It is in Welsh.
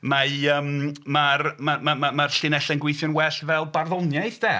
Mae yym mae'r ma' ma' ma'r llinellau'n gweithio'n well fel barddoniaeth de.